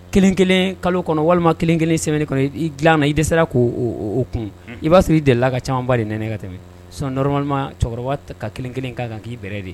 Kelen kelen kalo kɔnɔ walima kelen kelen sɛbɛnen kɔnɔ i dila na i dɛsɛ serara' o kun i b'a sɔrɔ i delila ka camanba de n ka tɛmɛ sanɔrɔma cɛkɔrɔba ka kelenkelen kan k'i bɛrɛ de